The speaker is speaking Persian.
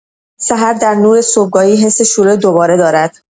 سحر در نور صبحگاهی حس شروع دوباره دارد.